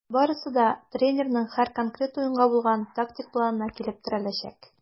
Барысы да тренерның һәр конкрет уенга булган тактик планына килеп терәләчәк.